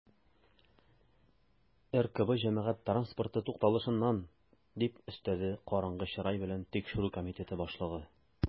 "ркб җәмәгать транспорты тукталышыннан", - дип өстәде караңгы чырай белән тикшерү комитеты башлыгы.